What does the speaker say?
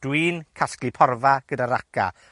Dwi'n casglu porfa gyda raca.